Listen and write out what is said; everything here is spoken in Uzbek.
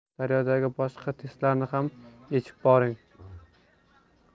daryo dagi boshqa testlarni ham yechib ko'ring